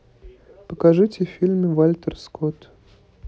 покажите фильм вальтер скотт